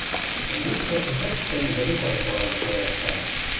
Бу эшкә ифрат та иҗади карый талантлы рәссам.